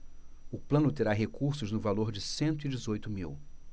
o plano terá recursos no valor de cento e dezoito mil